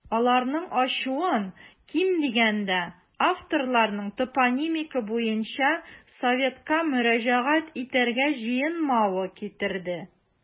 Аларның ачуын, ким дигәндә, авторларның топонимика буенча советка мөрәҗәгать итәргә җыенмавы китерде.